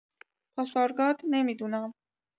پاسارگاد نمی‌دونم